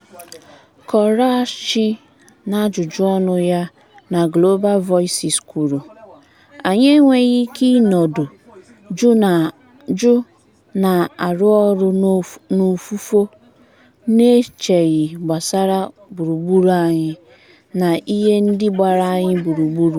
Koraichi n'ajụjụọnụ ya na Global Voices kwuru, "Anyị enweghị ike ịnọdụ jụ na-arụ ọrụ n'ufufo n'echeghị gbasara gburugburu anyị na ihe ndị gbara anyị gburugburu."